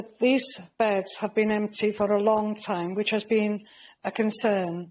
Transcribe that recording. But these beds have been empty for a long time which has been a concern.